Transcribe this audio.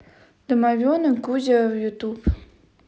домовенок кузя в ютуб